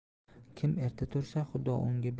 kim erta tursa xudo unga